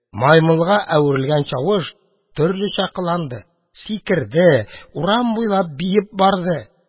Маймылга әверелгән чавыш төрлечә кыланды: сикерде, урам буенча биеп барды.